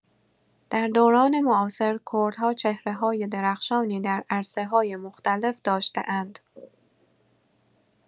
در دوران معاصر، کردها چهره‌های درخشانی در عرصه‌های مختلف داشته‌اند.